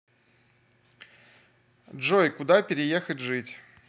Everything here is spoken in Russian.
джой куда переехать жить